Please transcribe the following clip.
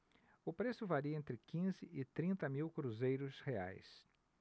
o preço varia entre quinze e trinta mil cruzeiros reais